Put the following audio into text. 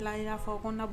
Aw